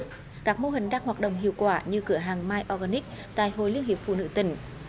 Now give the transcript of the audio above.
các mô hình đang hoạt động hiệu quả như cửa hàng mai o gan ních tại hội liên hiệp phụ nữ tỉnh